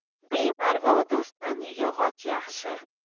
beparvo do'stdan yog'och yaxshi